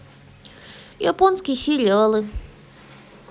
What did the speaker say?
японские сериалы